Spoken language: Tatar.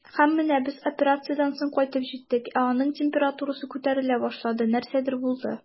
Һәм менә без операциядән соң кайтып киттек, ә аның температурасы күтәрелә башлады, нәрсәдер булды.